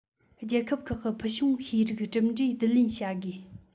རྒྱལ ཁབ ཁག གི ཕུལ བྱུང ཤེས རིག གྲུབ འབྲས བསྡུ ལེན བྱ དགོས